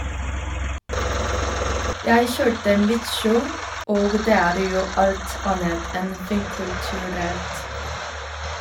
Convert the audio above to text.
- Jeg kjørte mitt show, og det er jo alt annet enn finkulturelt.